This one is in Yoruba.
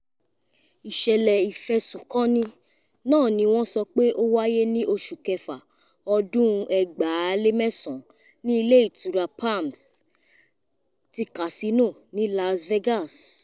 Ìṣẹ̀lẹ̀ ìfẹ́sùnkanni náà ní wọ́n sọ pé ó wáyé ní ọṣù kẹfà 2009 ní Ilé ìtura Palms àt Casino ni Las Vegas.